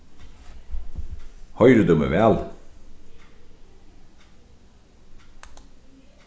hoyrir tú meg væl